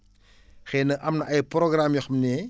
xëy na am na ay programme yoo xam ne